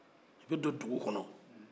i bɛ don duguw kɔnɔ